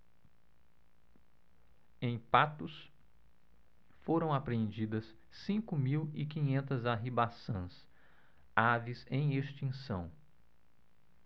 em patos foram apreendidas cinco mil e quinhentas arribaçãs aves em extinção